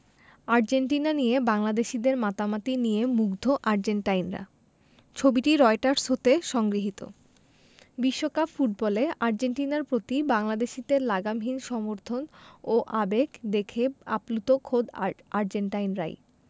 Argentina নিয়ে বাংলাদেশিদের মাতামাতি নিয়ে মুগ্ধ আর্জেন্টাইনরা ছবিটি রয়টার্স হতে সংগৃহীত বিশ্বকাপ ফুটবলে আর্জেন্টিনার প্রতি বাংলাদেশিদের লাগামহীন সমর্থন ও আবেগ দেখে আপ্লুত খোদ আর্জেন্টাইনরাই